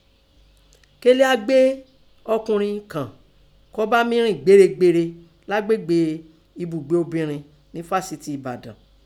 Kélé áá gbé ọkùnrin kọ́ bá mí rìn gbèrégbèré lágbègbè ẹbùgbé obìrin nẹ fásitì Ẹ̀bàdàn.